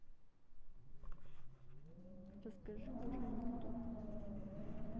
расскажи уже анекдот